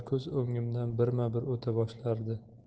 ko'z o'ngimdan birma bir o'ta boshlardi